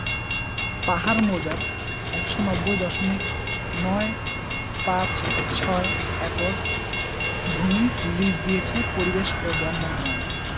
পাহাড় মৌজার ১৯০ দশমিক নয় পাঁচ ছয় একর ভূমি লিজ দিয়েছে পরিবেশ ও বন মন্ত্রণালয়